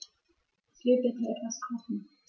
Ich will bitte etwas kochen.